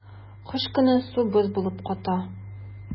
Кыш көне су боз булып ката.